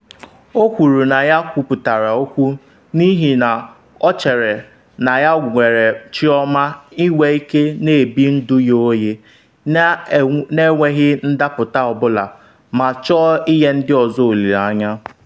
O kwuru na ya kwuputara okwu n’ihi na ọ chere na ya nwere chiọma inwe ike na-ebi ndụ ghe oghe na-enweghị ndapụta ọ bụla ma chọọ inye ndị ọzọ “olile anya.”